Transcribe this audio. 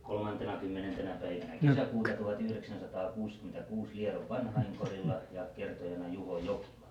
kolmantenakymmenentenä päivänä kesäkuuta tuhatyhdeksänsataakuusikymmentäkuusi Liedon vanhainkodilla ja kertojana Juho Jokila